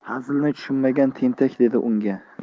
hazilni tushunmagan tentak dedi unga